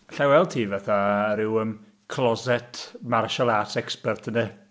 Allai weld ti fatha ryw yym closet martial arts expert de.